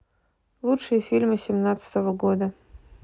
лучшие фильмы семнадцатого года